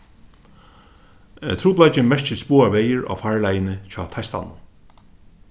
øh trupulleikin merkist báðar vegir á farleiðini hjá teistanum